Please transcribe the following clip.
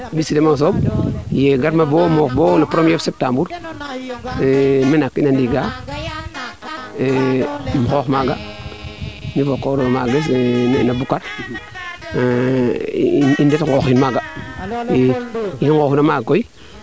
ne mbis tidan ma o saaɓ ye garma bo moof no premier septembre me naak ne riiga im xoox maaga mi fo o maages i ndet gooxit maaga i ye i ngoox na maaga koy